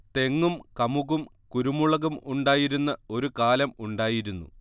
തെങ്ങും കമുകും കുരുമുളകും ഉണ്ടായിരുന്ന ഒരു കാലം ഉണ്ടായിരുന്നു